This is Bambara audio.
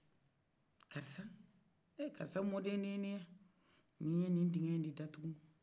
karisa e karisa mɔden de ye ne ye ni ye ni dingɛɲi de datugu